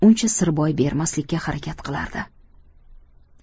uncha sir boy bermaslikka harakat qilardi